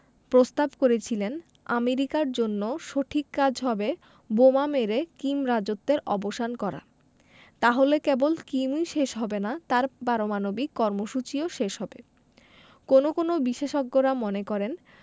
প্রস্তাব করেছিলেন আমেরিকার জন্য সঠিক কাজ হবে বোমা মেরে কিম রাজত্বের অবসান করা তাহলে কেবল কিমই শেষ হবে না তাঁর পারমাণবিক কর্মসূচিও শেষ হবে কোনো কোনো বিশেষজ্ঞেরা মনে করেন